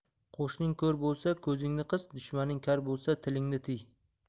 qo'shning ko'r bo'lsa ko'zingni qis dushmaning kar bo'lsa tilingni tiy